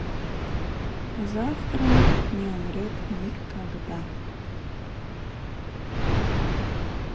завтра не умрет никогда